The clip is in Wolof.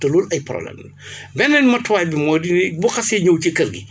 te loolu ay problème la beneen matuwaay bi mooy di ne bu xasee ñëw ci kër gi